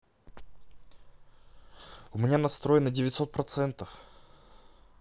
у меня настрой на девятьсот процентов